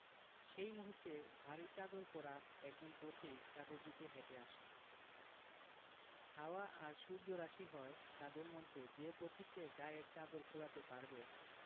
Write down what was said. সেই মুহূর্তে ভারি চাদর পরা একজন পথিক তাদের দিকে হেটে আসেন হাওয়া আর সূর্য রাসি হয় তাদের মধ্যে যে পথিকে গায়ের চাদর খোলাতে পারবে